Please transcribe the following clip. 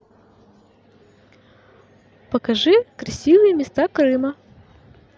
покажи красивые места крыма